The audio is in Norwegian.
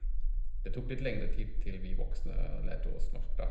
Det tok litt lengre tid til vi voksne lærte oss norsk, da.